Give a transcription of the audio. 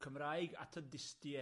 Cymraeg at y dystie.